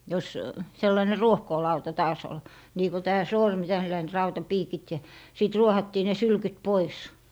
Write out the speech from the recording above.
jos sellainen ruohkoolauta taas oli niin kun tämä sormi tällainen rautapiikit ja sitten ruohattiin ne sylkyt pois